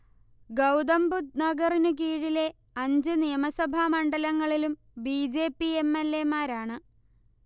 ഗൗതംബുദ്ധ് നഗറിനു കീഴിലെ അഞ്ചു നിയമസഭാ മണ്ഡലങ്ങളിലും B. J. P. M. L. A. മാരാണ്